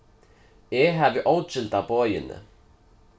eg havi ógildað boðini